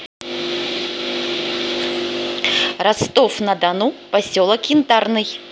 ростов на дону поселок янтарный